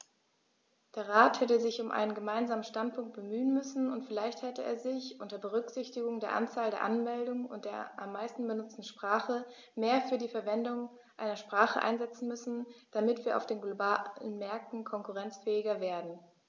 Der Rat hätte sich um einen gemeinsamen Standpunkt bemühen müssen, und vielleicht hätte er sich, unter Berücksichtigung der Anzahl der Anmeldungen und der am meisten benutzten Sprache, mehr für die Verwendung einer Sprache einsetzen müssen, damit wir auf den globalen Märkten konkurrenzfähiger werden.